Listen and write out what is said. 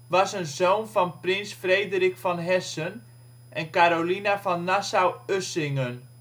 was een zoon van prins Frederik van Hessen en Carolina van Nassau-Usingen